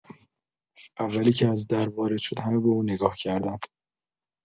اولی که از در وارد شد، همه به او نگاه کردند.